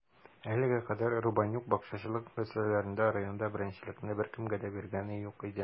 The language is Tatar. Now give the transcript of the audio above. Әлегә кадәр Рубанюк бакчачылык мәсьәләләрендә районда беренчелекне беркемгә дә биргәне юк иде.